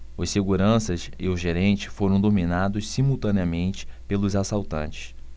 os seguranças e o gerente foram dominados simultaneamente pelos assaltantes